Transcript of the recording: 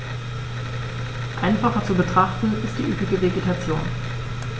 Einfacher zu betrachten ist die üppige Vegetation.